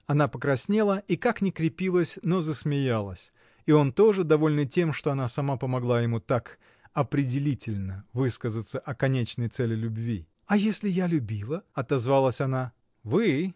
Она покраснела и как ни крепилась, но засмеялась, и он тоже, довольный тем, что она сама помогла ему так определительно высказаться о конечной цели любви. — А если я любила? — отозвалась она. — Вы?